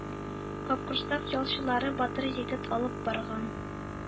Капкорсак ялчылары батыр егет алып барган